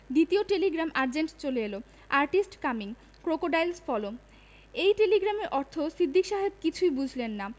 দ্বিতীয় telegram urgent চলে এল আর্টিস্ট কামিং ক্রোকোডাইলস ফলো এই টেলিগ্রামের অর্থ সিদ্দিক সাহেব কিছুই বুঝলেন না